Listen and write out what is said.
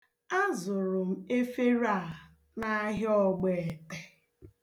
Azụrụ m efere a n'ahịa Ọgbeete.